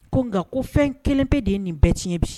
Ko nka ko fɛn kelen bɛ de ye nin bɛɛ cɛn bi